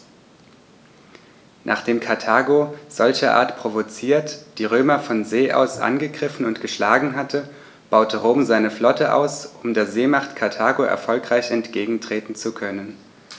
Nachdem Karthago, solcherart provoziert, die Römer von See aus angegriffen und geschlagen hatte, baute Rom seine Flotte aus, um der Seemacht Karthago erfolgreich entgegentreten zu können.